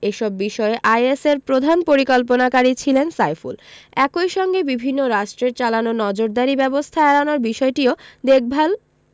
এসব বিষয়ে আইএসের প্রধান পরিকল্পনাকারী ছিলেন সাইফুল একই সঙ্গে বিভিন্ন রাষ্ট্রের চালানো নজরদারি ব্যবস্থা এড়ানোর বিষয়টিও দেখভাল